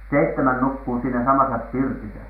seitsemän nukkui siinä samassa pirtissä